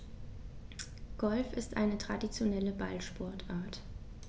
Golf ist eine traditionelle Ballsportart.